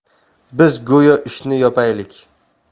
biz go'yo ishni yopaylik